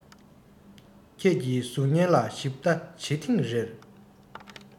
ཁྱེད ཀྱི གཟུགས བརྙན ལ ཞིབ ལྟ བྱེད ཐེངས རེར